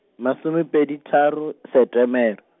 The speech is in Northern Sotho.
masomepedi tharo, Setemere.